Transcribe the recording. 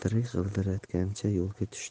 g'ildirak g'ildiratgancha yo'lga tushdim